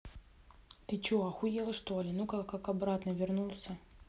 ты че охуел что ли ну как обратно вернулся